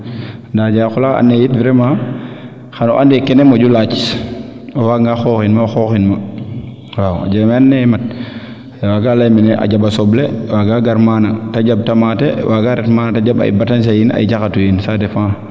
ndaa a jega xa qola and naye it vraiment xano ande vraiment kene moƴu laac o waaga nga xoxin o xooxin ma waaw a jga wa anaye mat a waage ley mene a jaɓa soble waaga gar maana te jamb tomate waaga ret maana te jamb a batañsa yiin a jaxatu yiin ca depend